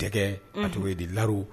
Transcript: Dɛsɛt ye di lauru